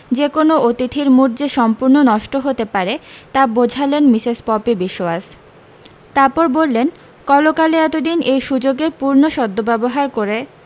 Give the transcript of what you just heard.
যে কোনো অতিথির মুড যে সম্পূর্ণ নষ্ট হতে পারে তা বোঝালেন মিসেস পপি বিশোয়াস তারপর বললেন কলকালি এতোদিন এই সু্যোগের পূর্ণ সদ্ব্যবহার করে